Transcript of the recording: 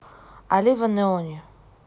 aliva neoni